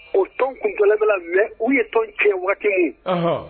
O tɔn kun mais u ye tɔn cɛ waati mun, ɔhɔn.